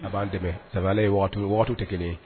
A b'an dɛmɛ wagatiw tɛ kelen ye.